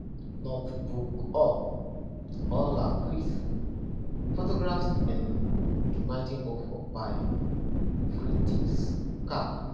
Northbrook Hall or Lal Kuthi – photographed in 1904 by Fritz Kapp.